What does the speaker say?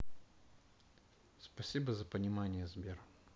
спасибо за понимание сбер